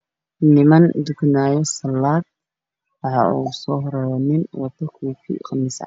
Niman tukanaayo salaad waxaa ugu soo horeeyo nin wato koofi iyo qamiis cad.